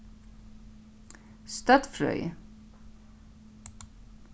støddfrøði